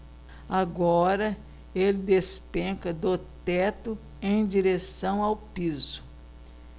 agora ele despenca do teto em direção ao piso